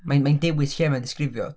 Mae'n mae'n dewis lle mae'n disgrifio.